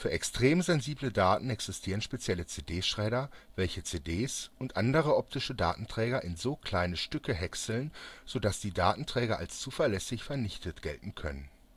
extrem sensible Daten existieren spezielle CD-Shredder, welche CDs und andere optische Datenträger in so kleine Stücke häckseln, so dass die Datenträger als zuverlässig vernichtet gelten können